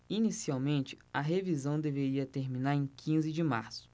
inicialmente a revisão deveria terminar em quinze de março